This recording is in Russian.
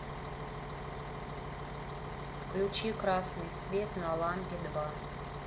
включи красный свет на лампе два